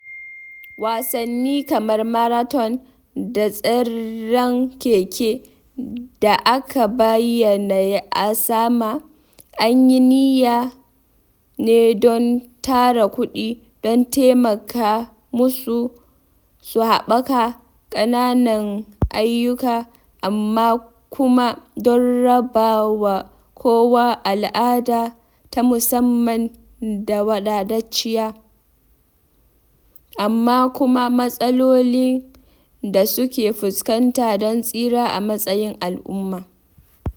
Wasanni kamar marathon da tseren keke da aka bayyana a sama an yi niyya ne don tara kuɗi don taimaka musu su haɓaka ƙananan ayyuka amma kuma don raba wa kowa al’ada ta musamman da wadatacciya, amma kuma matsalolin da suke fuskanta don tsira a matsayin al’umma.